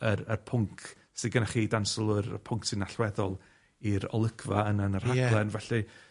yr y pwnc sy gynnoch chi dan sylw y pwnc sy'n allweddol i'r olygfa yna yn y rhaglen... Ie. ...felly